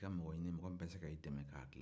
e ka mɔgɔ ɲinin mɔgɔ min bɛ se ka e dɛmɛ k'a kɛ